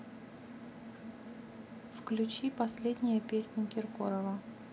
включи последние песни киркорова